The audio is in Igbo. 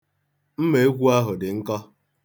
Mmeekwu ahụ dị nkọ.